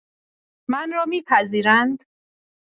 من را می‌پذیرند؟